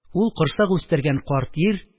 Ул – корсак үстергән карт ир